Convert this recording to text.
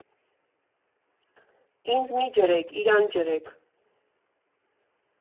Ինձ մի ջրեք, իրան ջրեք։